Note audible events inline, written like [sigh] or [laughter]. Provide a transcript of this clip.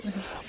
[hesitation] [hesitation]